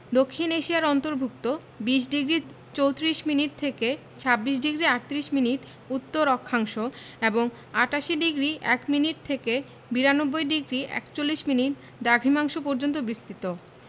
দক্ষিণ এশিয়ার অন্তর্ভুক্ত ২০ডিগ্রি ৩৪ মিনিট থেকে ২৬ ডিগ্রি ৩৮ মিনিট উত্তর অক্ষাংশ এবং ৮৮ ডিগ্রি ০১ মিনিট থেকে ৯২ ডিগ্রি ৪১মিনিট দ্রাঘিমাংশ পর্যন্ত বিস্তৃত